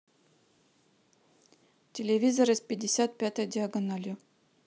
телевизоры с пятьдесят пятой диагональю